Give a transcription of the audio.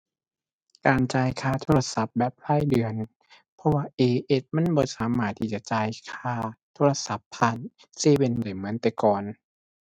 การจ่ายค่าโทรศัพท์แบบรายเดือน เพราะว่า AIS มันบ่สามารถที่จะจ่ายค่าโทรศัพท์ผ่านเซเว่นได้เหมือนแต่ก่อน